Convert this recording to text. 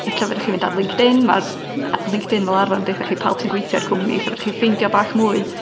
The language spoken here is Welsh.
Ella fedrwch chi fynd ar LinkedIn. Ma' LinkedIn fel arfer yn deuthoch chi pawb sy'n gweithio i'r cwmni, so fedrwch chi ffeindio bach mwy...